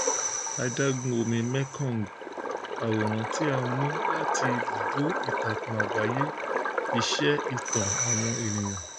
Adágún omi Mekong. Àwòrán tí a mú láti Ibùdó-ìtàkùn-àgbáyé iṣẹ́ Ìtàn Àwọn Ènìyàn.